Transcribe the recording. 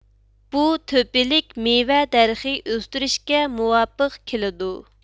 بۇ تۆپىلىك مېۋە دەرىخى ئۆستۈرۈشكە مۇۋاپىق كېلىدۇ